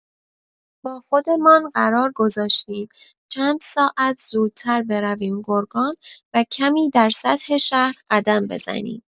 با خودمان قرار گذاشتیم چند ساعت زودتر برویم گرگان و کمی در سطح شهر قدم بزنیم.